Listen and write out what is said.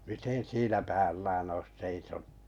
miten siinä päällään olisi seisonut